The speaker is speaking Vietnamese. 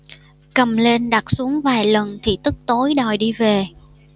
cầm lên đặt xuống vài lần thì tức tối đòi đi về